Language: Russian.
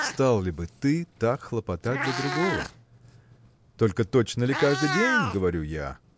стал ли бы ты так хлопотать для другого? Только точно ли каждый день? – говорю я.